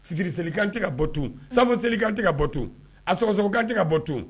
Sidi selieli kan tɛ ka bɔtu sanfɛ seli kan tɛ ka bɔtu a sɔrɔso kan tɛ ka bɔtu